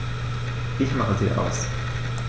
Ich mache sie aus.